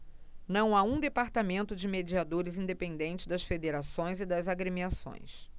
não há um departamento de mediadores independente das federações e das agremiações